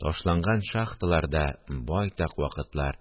Ташланган шахталар да байтак вакытлар